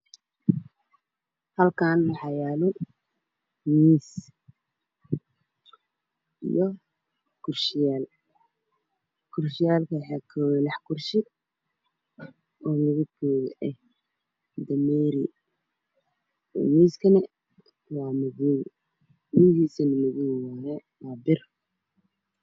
Halkaan waxaa yaalo miis iyo kursiyaal kursiyaalka waxay ka kooban yihiin lix kursi oo midab kooda eh dameeri miiskana waa madow lugihiisana madow waaye waa bir